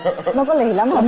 nó có lì lắm không